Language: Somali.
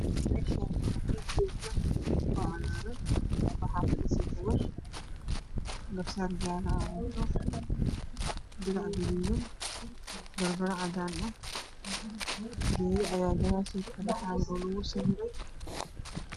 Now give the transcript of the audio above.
Meshaan waa mel hool ah oo cagaaran waxaa fadhiso gabar garba saar jala ah wadato dirac gaduud gorgorad cadaana h geedo ayaa gadaashoida kapaxaayo oo lagu sawiray